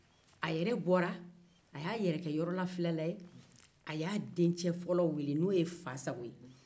a y'a yɛrɛ ke yɔrɔfilɛla ye ka bɔ ni ka fasago weele